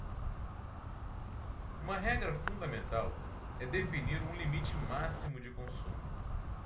uma regra fundamental é definir um limite máximo de consumo